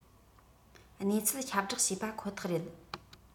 གནས ཚུལ ཁྱབ བསྒྲགས བྱས པ ཁོ ཐག རེད